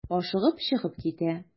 Ашыгып чыгып китә.